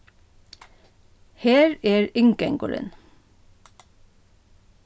her er inngangurin